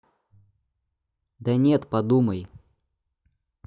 да нет подумай